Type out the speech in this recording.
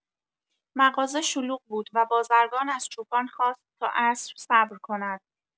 مغازه شلوغ بود و بازرگان از چوپان خواست تا عصر صبر کند.